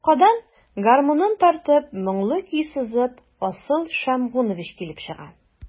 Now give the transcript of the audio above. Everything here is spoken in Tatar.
Капкадан, гармунын тартып, моңлы көй сызып, Асыл Шәмгунович килеп чыга.